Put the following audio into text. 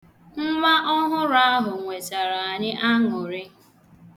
Nwa ọhụrụ ahụ wetara anyị aṅụrị .